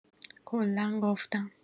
کلا گفتم